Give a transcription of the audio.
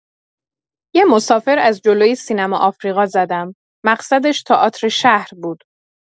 یه مسافر از جلوی سینما آفریقا زدم، مقصدش تئاتر شهر بود.